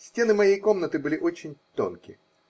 Стены моей комнаты были очень тонки.